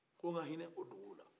ko n ka hinɛ o duguw la